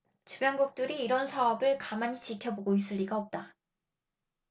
주변국들이 이런 사업을 가만히 지켜보고 있을 리가 없다